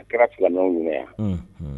A kɛra filaw mun yan